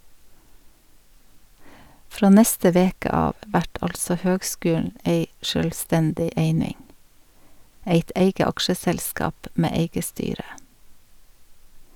Frå neste veke av vert altså høgskulen ei sjølvstendig eining, eit eige aksjeselskap med eige styre.